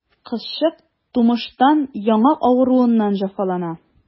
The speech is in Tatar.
Кызчык тумыштан яңак авыруыннан җәфалана.